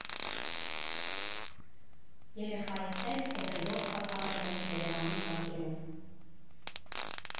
Երեխայիս հետ օրերով թափառել եմ Երևանի բակերով։